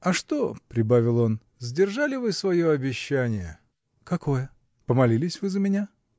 А что, -- прибавил он, -- сдержали вы свое обещание? -- Какое? -- Помолились вы за меня?